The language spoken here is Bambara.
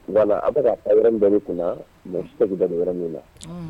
G a bɛ taa wɛrɛ bɛni kunna mɛ tɛ da wɛrɛ min na